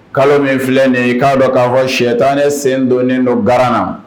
Kalo min filɛ nin ye i k'a dɔn ka fɔ sitani sen donnen don garan na.